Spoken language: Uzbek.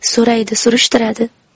so'raydi surishtiradi